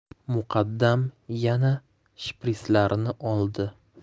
muqaddam yana shprislarni oldi